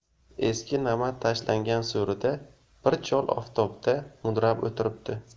eski namat tashlangan so'rida bir chol oftobda mudrab o'tiribdi